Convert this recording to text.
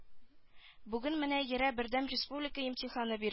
Бүген менә ерэ бердәм республика имтиханы бир